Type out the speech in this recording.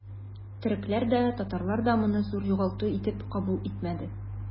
Төрекләр дә, татарлар да моны зур югалту итеп кабул итмәде.